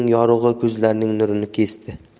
yorug'i ko'zlarning nurini kesdi